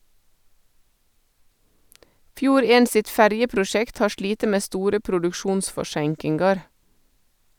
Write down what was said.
Fjord 1 sitt ferjeprosjekt har slite med store produksjonsforseinkingar.